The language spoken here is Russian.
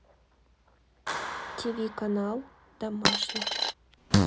тв канал домашний